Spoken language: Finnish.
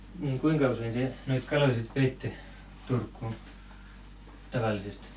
niin kuinka usein te noita kaloja sitten veitte Turkuun tavallisesti